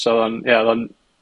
So odd o'n, ie odd o'n